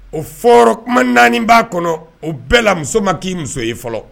O fɔra kuma naani b'a kɔnɔ o bɛɛ la musoman ma'i muso ye fɔlɔ